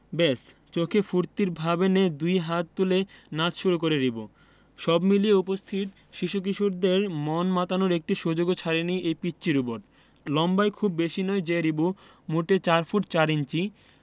ব্যাস চোখে ফূর্তির ভাব এনে দুই হাত তুলে নাচ শুরু করে রিবো সব মিলিয়ে উপস্থিত শিশু কিশোরদের মন মাতানোর একটি সুযোগও ছাড়েনি এই পিচ্চি রোবট লম্বায় খুব বেশি নয় যে রিবো মোটে ৪ ফুট ৪ ইঞ্চি